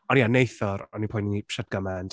Ond ie, neithiwr o’n poeni sut gymaint.